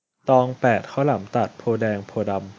ตองแปดข้าวหลามตัดโพธิ์แดงโพธิ์ดำ